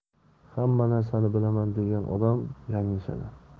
hamma narsani bilaman degan odam yanglishadi